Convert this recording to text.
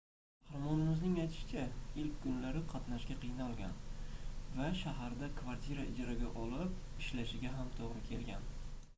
qahramonimizning aytishicha ilk kunlari qatnashga qiynalgan va shaharda kvartira ijaraga olib ishlashiga ham to'g'ri kelgan